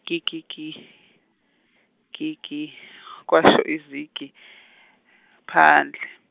gi gi gi , gi gi kwasho izigi, phandle.